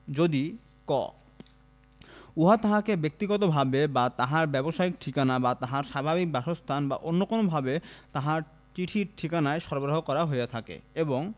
যদি ক উহা তাহাকে বক্তিগতভাবে বা তাহার ব্যবসায়িক ঠিকানা বা তাহার স্বাভাবিক বাসস্থান বা অন্য কোনভাবে তাহার চিঠির ঠিকানায় সরবরাহ করা হইয়া থাকে এবং